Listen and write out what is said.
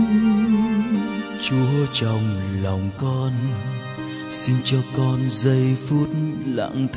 chúa trong lòng con xin cho con giây phút lặng thinh